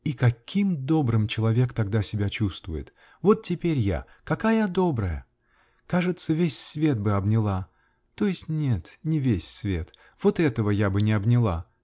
-- И каким добрым человек тогда себя чувствует! Вот теперь я. какая добрая! Кажется, весь свет бы обняла. То есть нет, не весь свет!. Вот этого я бы не обняла.